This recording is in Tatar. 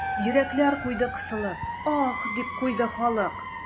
Йөрәкләр куйды кысылып, аһ, дип куйды халык.